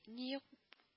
Ни юк